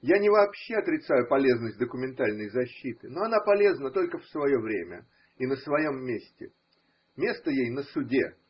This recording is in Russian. Я не вообще отрицаю полезность документальной защиты, но она полезна только в свое время и на своем месте. Место ей – на суде.